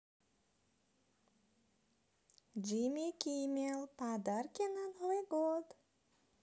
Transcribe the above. jimmy kimmel подарки на новый год